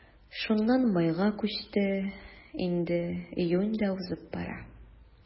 Шуннан майга күчте, инде июнь дә узып бара.